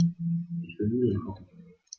Ich will Nudeln kochen.